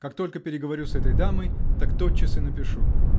как только переговорю с этой дамой -- так тотчас и напишу.